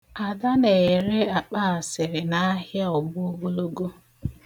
Ada na-ere akpaasiri n'ahịa ọgbọgologo.